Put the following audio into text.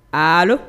Aa